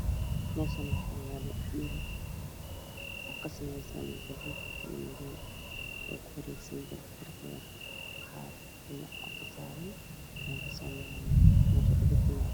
Meeshan waxaa yalo dhari kasamaysan gaduud iyo madow oo kuwareegsan biriq biriq Waxaa dhinac karan calanka soomalia